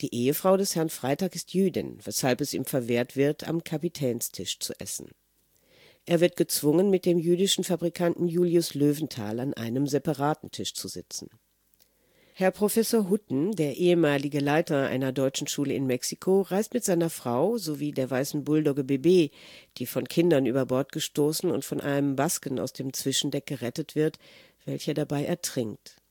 Ehefrau des Herrn Freytag ist Jüdin, weshalb es ihm verwehrt wird, am Kapitänstisch zu essen; er wird gezwungen, mit dem jüdischen Fabrikanten Julius Löwenthal an einem separaten Tisch zu sitzen. Herr Professor Hutten, der ehemalige Leiter einer deutschen Schule in Mexiko, reist mit seiner Frau sowie der weißen Bulldogge Bébé, die von Kindern über Bord gestoßen und von einem Basken aus dem Zwischendeck gerettet wird, welcher dabei ertrinkt